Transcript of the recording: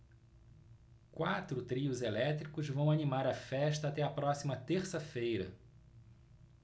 quatro trios elétricos vão animar a festa até a próxima terça-feira